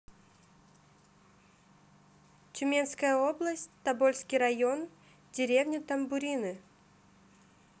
тюменская область тобольский район деревня тамбурины